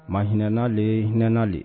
Ma h hinɛanali h hinɛanali